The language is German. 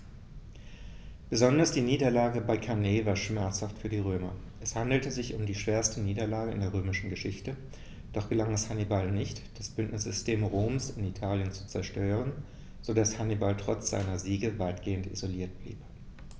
Besonders die Niederlage bei Cannae war schmerzhaft für die Römer: Es handelte sich um die schwerste Niederlage in der römischen Geschichte, doch gelang es Hannibal nicht, das Bündnissystem Roms in Italien zu zerstören, sodass Hannibal trotz seiner Siege weitgehend isoliert blieb.